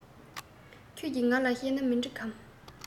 ཁྱེད ཀྱི ང ལ གཤད ན མི གྲིག གམ